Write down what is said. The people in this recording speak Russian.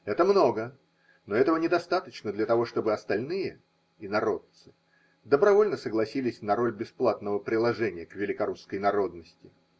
Это много, но этого недостаточно для того, чтобы остальные, инородцы, добровольно согласились на роль бесплатного приложения к великорусской народности.